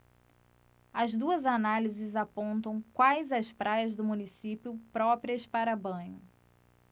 as duas análises apontam quais as praias do município próprias para banho